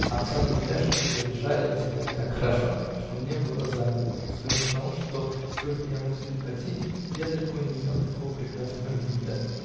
Обтянутые ляжки его лежали на седле так хорошо, что мне было завидно, -- особенно потому, что, сколько я мог судить по тени, я далеко не имел такого прекрасного вида.